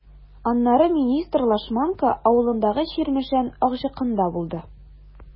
Аннары министр Лашманка авылындагы “Чирмешән” АХҖКында булды.